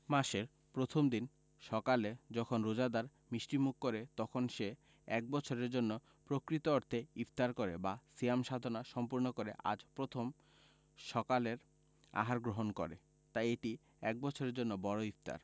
মাসের প্রথম দিন সকালে যখন রোজাদার মিষ্টিমুখ করে তখন সে এক বছরের জন্য প্রকৃত অর্থে ইফতার করে বা সিয়াম সাধনা সম্পূর্ণ করে আজ প্রথম সকালের আহার গ্রহণ করে তাই এটি এক বছরের জন্য বড় ইফতার